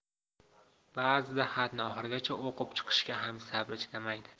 ba'zida xatni oxirigacha o'qib chiqishga ham sabri chidamaydi